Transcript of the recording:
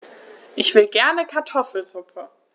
Ich will gerne Kartoffelsuppe.